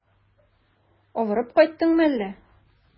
Авырып кайттыңмы әллә?